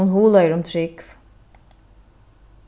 hon hugleiðir um trúgv